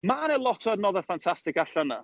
Ma' 'na lot o adnoddau ffantastig allan 'na.